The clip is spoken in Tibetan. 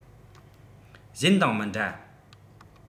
གཞན དང མི འདྲ